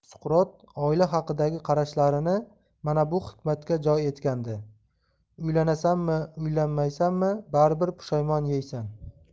suqrot oila haqidagi qarashlarini mana bu hikmatga jo etgandi uylanasanmi uylanmaysanmi baribir pushaymon yeysan